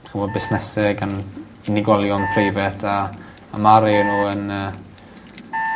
d'ch'mo busnese gan unigolion preifet a a ma' rei o n'w yn yy